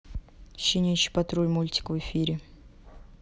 щенячий патруль мультик в эфире